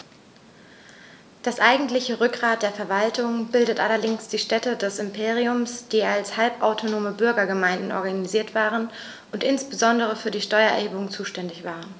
Das eigentliche Rückgrat der Verwaltung bildeten allerdings die Städte des Imperiums, die als halbautonome Bürgergemeinden organisiert waren und insbesondere für die Steuererhebung zuständig waren.